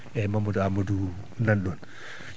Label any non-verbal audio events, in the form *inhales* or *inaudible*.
eyyi Mamadou Amadou nanɗon *inhales*